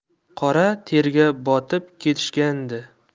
qora terga botib ketishgandi